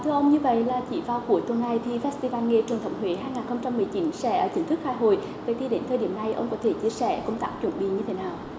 thưa ông như vậy là chị vào cuối tuần hai the festival nghề truyền thống huế hai nghìn không trăm mười chín sẽ chính thức khai hội tây thi đến thời điểm này ông có thể chia sẻ công tác chuẩn bị như thế nào